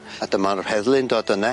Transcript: A dyma'r heddlu'n dod yne.